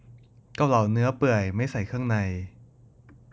เกาเหลาเนื้อเปื่อยไม่ใส่เครื่องใน